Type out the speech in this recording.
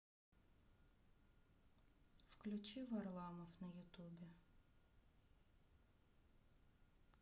включи варламов на ютубе